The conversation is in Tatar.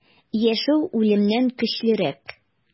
Яшәү үлемнән көчлерәк.